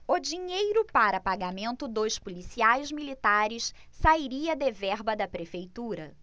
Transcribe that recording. o dinheiro para pagamento dos policiais militares sairia de verba da prefeitura